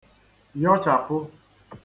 yọchàpụ